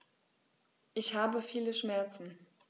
Ich habe viele Schmerzen.